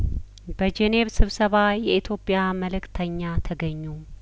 በጄኔቭ ስብሰባ የኢትዮጵያ መልእክተኛ ተገኙ